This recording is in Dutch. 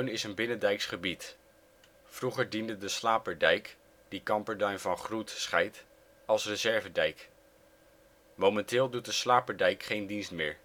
is een binnendijks gebied. Vroeger diende de slaperdijk – die Camperduin van Groet scheidt – als reservedijk. Momenteel doet de slaperdijk geen dienst meer